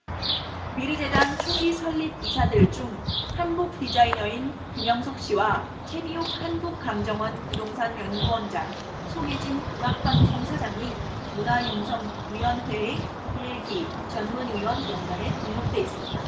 미르재단 초기 설립 이사들 중 한복디자이너인 김영석씨와 채미옥 한국감정원 부동산연구원장 송혜진 국악방송 사장이 문화융성위원회의 일 기 전문위원 명단에 등록돼 있었다